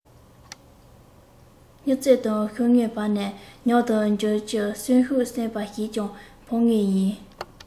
སྨྱུག རྩེ དང ཤོག ངོས བར ནས ཉམས དང འགྱུར གྱི གསོན ཤུགས གསར པ ཞིག ཀྱང འཕར ངེས ཡིན